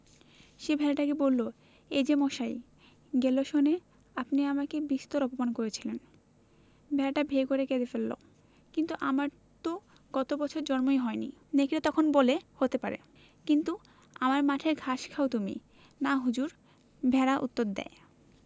সে ভেড়াটাকে বলল এই যে মশাই গেল সনে আপনি আমাকে বিস্তর অপমান করেছিলেন ভেড়াটা ভ্যাঁ করে কেঁদে ফেলল কিন্তু আমার তো গত বছর জন্মই হয়নি নেকড়েটা তখন বলে হতে পারে কিন্তু আমার মাঠের ঘাস খাও তুমি না হুজুর ভেড়া উত্তর দেয়